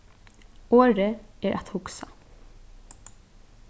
orðið er at hugsa